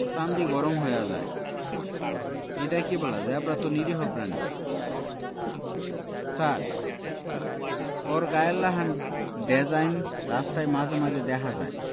চান্দি গরম হয়া যায় এইডা কি বললা জেব্রা তো নিরীহ প্রাণী.. ছার অর গায়ের লাহান ডেজাইন রাস্তায় মাঝে মাঝে দেহা যায়